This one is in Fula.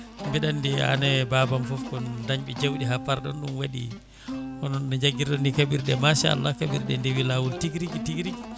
mbeɗa andi an e babam foof kon dañɓe jawɗi ha parɗon ɗum waɗi onon no jagguirɗon ni kaɓirɗe machallah kaɓirɗe deewi lawol tigui rigui tigui rigui